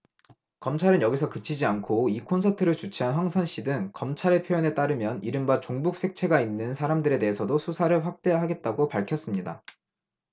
검찰은 여기서 그치지 않고 이 콘서트를 주최한 황선 씨 등 검찰의 표현에 따르면 이른바 종북 색채가 있는 사람들에 대해서도 수사를 확대하겠다고 밝혔습니다